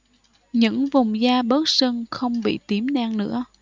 những vùng da bớt sưng không bị tím đen nữa